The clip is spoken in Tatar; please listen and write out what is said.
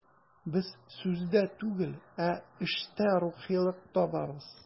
Без сүздә түгел, ә эштә рухилык табабыз.